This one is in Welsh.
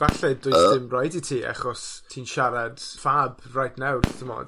falle does dim raid i ti, achos ti'n siarad fab reit nawr t'mod?